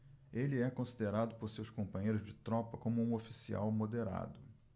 ele é considerado por seus companheiros de tropa como um oficial moderado